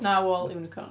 Narwhal unicorn.